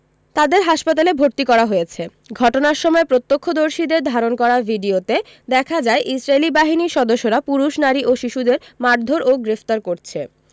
তাদের হাসপাতালে ভর্তি করা হয়েছে ঘটনার সময় প্রত্যক্ষদর্শীদের ধারণ করা ভিডিওতে দেখা যায় ইসরাইলী বাহিনীর সদস্যরা পুরুষ নারী ও শিশুদের মারধোর ও গ্রেফতার করছে